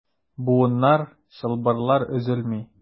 Буыннар, чылбырлар өзелми.